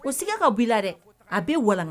O siga ka b'ila dɛ a bɛ walan